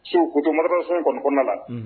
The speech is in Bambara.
Su kukututomasen kɔnɔnaɔn la